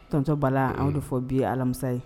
Tonton Bala an y'o de fɔ bi ye alamisa ye